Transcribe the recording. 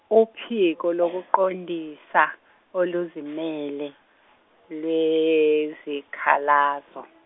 uPhiko lobuqondisa oluzimele, lwezikhalazo.